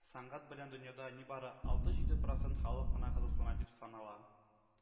Сәнгать белән дөньяда нибары алты-җиде процент халык кына кызыксына дип санала